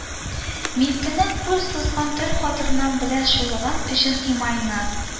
Милкенә кул сузган, тол хатыннар белән чуалган өчен имайны